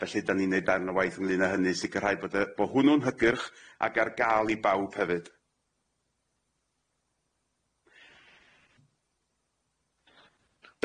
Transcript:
Felly dan ni'n neud dair yn y waith ynglŷn â hynny sicirhau bod yy bo' hwnnw'n hygyrch ag ar ga'l i bawb hefyd.